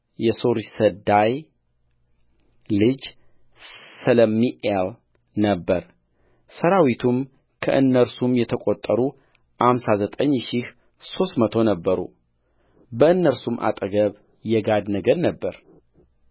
የሱሪሰዳይ ልጅ ሰለሚኤል ነበረሠራዊቱም ከእነርሱም የተቈጠሩ አምሳ ዘጠኝ ሺህ ሦስት መቶ ነበሩበእነርሱም አጠገብ የጋድ ነገድ ነበረ